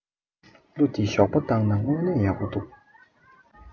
གླུ འདི ཞོགས པ བཏང ན སྔོན ནས ཡག པོ འདུག